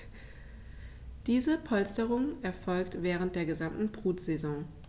Diese Polsterung erfolgt während der gesamten Brutsaison.